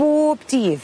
Bob dydd?